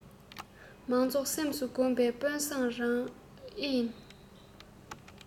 མང ཚོགས སེམས སུ བསྒོམས པའི དཔོན བཟང རང ཨེ ཡིན